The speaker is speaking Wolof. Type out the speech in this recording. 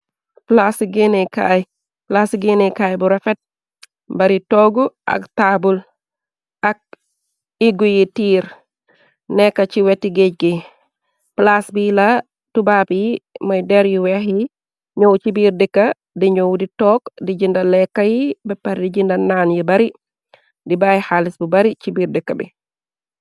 Plaasi geenekaay plaasi geenekay bu rafet bari toogu ak taabul ak igu yi tiir nekka ci weti géej gi plaas bi la tubaab yi mooy der yu weex yi ñoow ci biir dëkka di ñoow di toog di jinda leeka yi bepar di jinda naan yi bari di baay xaalis bu bari ci biir dëkka bi.